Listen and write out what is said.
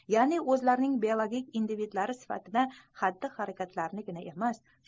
ya'ni o'zlarining biologik individlar sifatidagi xatti harakatlarinigina emas